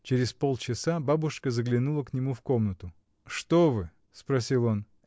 Через полчаса бабушка заглянула к нему в комнату. — Что вы? — спросил он.